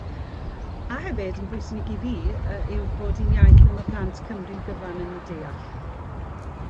A hefyd yn bwysig i fi yy yw bod hi'n iaith y ma' plant Cymru gyfan yn 'i deall.